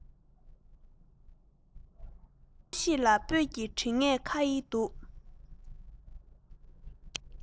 རྣམ ཤེས ལ སྤོས ཀྱི དྲི ངད ཁ ཡི འདུག